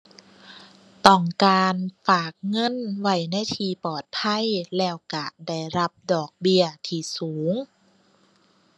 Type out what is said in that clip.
ต้องการฝากเงินไว้ในที่ปลอดภัยแล้วก็ได้รับดอกเบี้ยที่สูง